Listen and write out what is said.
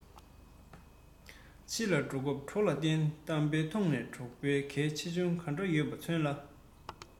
ཕྱི ལ སྐྱོད སྐབས གྲོགས ལ བརྟེན གཏམ དཔེའི ཐོག ནས གྲོགས པོའི གལ ཆེ ཆུང གང འདྲ ཡོད པ མཚོན ལ